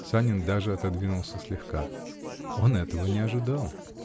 Санин даже отодвинулся слегка: он этого не ожидал.